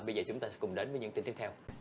bây giờ chúng ta sẽ cùng đến với những tin tiếp theo